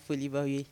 Foli b'aw ye